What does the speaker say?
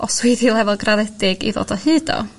o swyddi lefel graddedig i ddod o hyd o.